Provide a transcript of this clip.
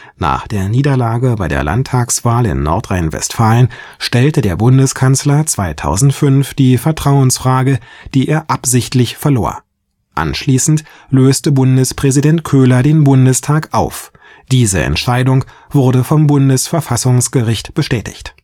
Nach der Niederlage bei der Landtagswahl in Nordrhein-Westfalen stellte der Bundeskanzler 2005 die Vertrauensfrage, die er absichtlich verlor. Anschließend löste Bundespräsident Köhler den Bundestag auf; diese Entscheidung wurde vom Bundesverfassungsgericht bestätigt